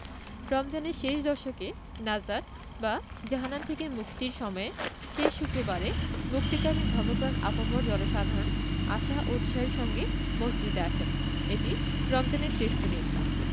রমজানের শেষ দশকে নাজাত বা জাহান্নাম থেকে মুক্তির সময়ে শেষ শুক্রবারে মুক্তিকামী ধর্মপ্রাণ আপামর জনসাধারণ আশা ও উৎসাহের সঙ্গে মসজিদে আসেন এটি রমজানের শ্রেষ্ঠ দিন